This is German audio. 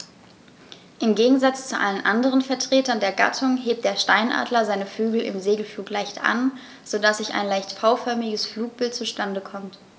Im Gegensatz zu allen anderen Vertretern der Gattung hebt der Steinadler seine Flügel im Segelflug leicht an, so dass ein leicht V-förmiges Flugbild zustande kommt.